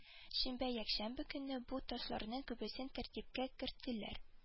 Шимбә-якшәмбе көнне бу ташларның күбесен тәртипкә керттеләр